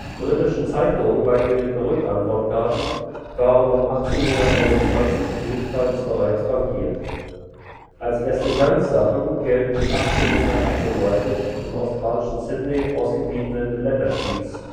britischen Zeitungen beigelegte Rückantwortkarten waren um 1821 ebenfalls bereits frankiert. Als erste Ganzsachen gelten die 1838 im australischen Sydney ausgegebenen letter sheets